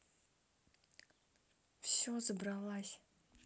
все забралась